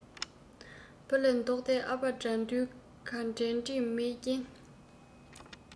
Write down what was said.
བུ ལས ལྡོག སྟེ ཨ ཕ དགྲ འདུལ ག བྲེལ འདྲིས མེད རྐྱེན